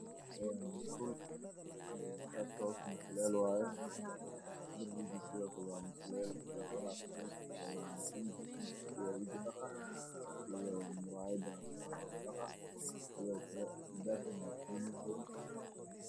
Waa musqul midabkeedu yahay caddaan dhulka waa mataleel madow